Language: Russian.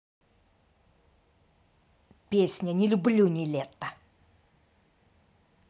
песня не люблю niletto